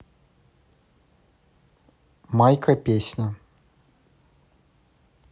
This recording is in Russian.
майка песня